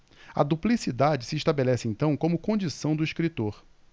a duplicidade se estabelece então como condição do escritor